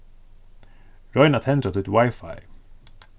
royn at tendra títt wifi